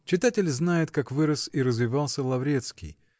Читатель знает, как вырос и развивался Лаврецкий